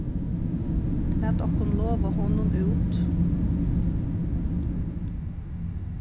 lat okkum lova honum út